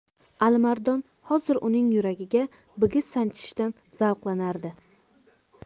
alimardon hozir uning yuragiga bigiz sanchishidan zavqlanardi